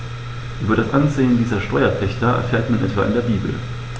Über das Ansehen dieser Steuerpächter erfährt man etwa in der Bibel.